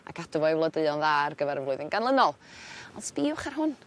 a cadw fo 'i flodeuo'n dda ar gyfar y flwyddyn ganlynol. On' sbïwch ar hwn.